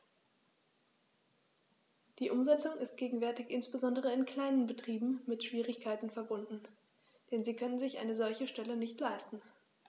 Die Umsetzung ist gegenwärtig insbesondere in kleinen Betrieben mit Schwierigkeiten verbunden, denn sie können sich eine solche Stelle nicht leisten.